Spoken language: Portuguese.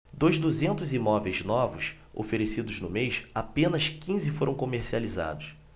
dos duzentos imóveis novos oferecidos no mês apenas quinze foram comercializados